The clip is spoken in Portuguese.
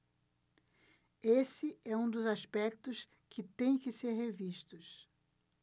esse é um dos aspectos que têm que ser revistos